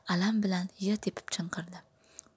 alam bilan yer tepib chinqirdi